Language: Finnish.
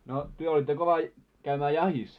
no te olitte kova käymään jahdissa